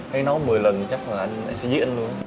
thế nấu mười lần chắc là anh em sẽ giết